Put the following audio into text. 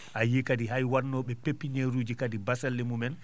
a yiyii kadi hay waɗnoɓe pépiniére uji kadi basalle mumen